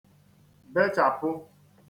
bechàpụ